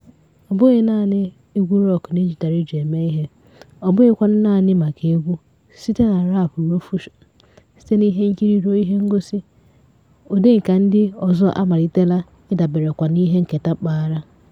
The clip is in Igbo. Ọ bụghị naanị egwu rọk na-eji Darija eme ihe, ọ bụghịkwa naanị maka egwu: site na raapụ ruo fushọn, site n'ihenkiri ruo n'ihengosị, ụdị nkà ndị ọzọ amalitela ịdaberekwa n'ihe nketa mpaghara.